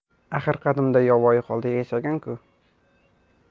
axir qadimda yovvoyi holda yashagan ku